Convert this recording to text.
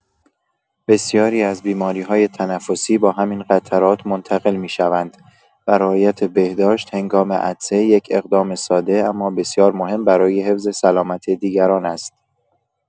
بسیاری از بیماری‌های تنفسی با همین قطرات منتقل می‌شوند و رعایت بهداشت هنگام عطسه یک اقدام ساده اما بسیار مهم برای حفظ سلامت دیگران است.